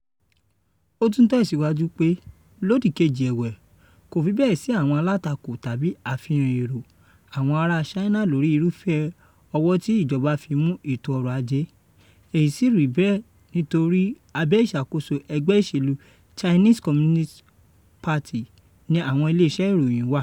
"Ó tún tẹ̀síwájú pé “Lódì kejì ẹ̀wẹ̀, kò fi bẹ́ẹ̀ sí àwọn alátakò tàbí ààfihàn èrò àwọn ará China lórí irúfẹ́ ọwọ́ ti ìjọba fi mú ètò ọrọ̀ ajé. Èyí rí bẹ́ẹ̀ nítorí abẹ́ ìṣàkóso ẹgbẹ́ ìṣèlú Chinese Communist Party ni àwọn ilé iṣẹ́ ìròyìn wà.